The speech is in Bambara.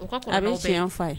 A bɛ tiɲɛ fa ye